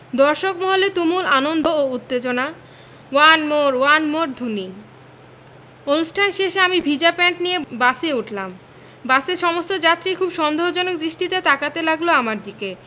দর্শক মহলে তুমুল আনন্দ ও উত্তেজনা ওয়ান মোর ওয়ান মোর ধ্বনি অনুষ্ঠান শেষে আমি ভিজা প্যান্ট নিয়ে বাসে উঠলাম বাসের সমস্ত যাত্রী খুব সন্দেহজনক দৃষ্টিতে তাকাতে লাগলো আমার দিকে